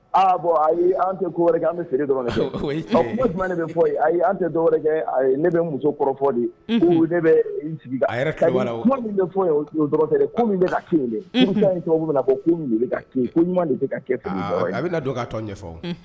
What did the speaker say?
Aaa bɔn ayi an tɛ wɛrɛ an bɛ feere kuma bɛ fɔ ayi tɛ dɔw kɛ ne bɛ muso fɔli bɛ sigi kuma min bɛ fɔ ka ku cogo min na bɔ' ka ko ɲuman de tɛ ka kɛ a bɛ don k ka tɔn ɲɛfɔw